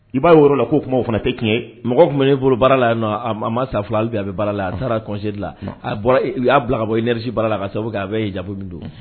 I b'a woro la k'o tuma o fana tɛ tiɲɛ mɔgɔ tun bɛ ne bolo baara la a ma sa filabi a bɛ bala la a taarasedi la a'a bila ka bɔ iresi baara la a ka sababu a bɛ ye ja ɲɛfɔfu min don